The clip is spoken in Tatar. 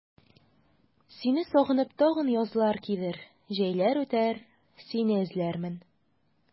Сине сагынып тагын язлар килер, җәйләр үтәр, сине эзләрмен.